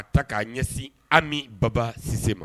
A ka ta k'a ɲɛsin an baba si ma